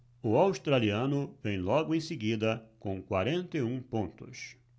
o australiano vem logo em seguida com quarenta e um pontos